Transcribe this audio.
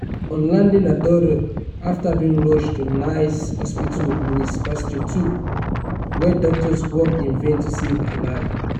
On landing her daughter had been rushed to Nice's Hospital Louis Pasteur 2, where doctors worked in vain to save her life.